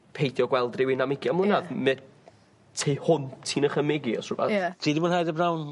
peidio gweld rywun am ugian mlynadd m'e tu hwnt i'n nychymyg i os rwbeth. Ie. Ti 'di mwynhau dy brawn...